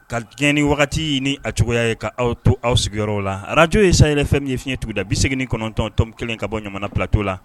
Ka diɲɛ ni wagati ɲini a cogoya ye kaaw to aw sigiyɔrɔ la ararajo ye sa yɛrɛ fɛn min ye fiɲɛɲɛugu da bi segin kɔnɔntɔntɔn kelen ka bɔ jamana patɔo la